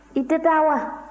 i tɛ taa wa